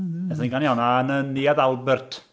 Wnaethon ni ganu honna yn y Neuadd Albert.